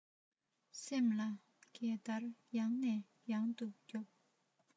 སེམས ལ གད བདར ཡང ནས ཡང དུ རྒྱོབ